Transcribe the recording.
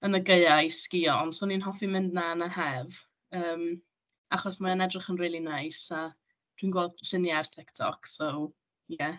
yn y Gaeaf i sgïo. Ond 'swn i'n hoffi mynd 'na yn y haf, yym, achos mae'n edrych yn rili neis a dwi'n gweld lluniau ar TikTok. So, ie.